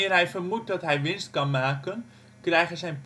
hij vermoedt dat hij winst kan maken, krijgen zijn